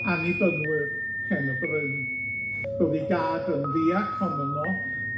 Annibynwyr Pen-y-Bryn, ro'dd 'i dad yn ddiacon yno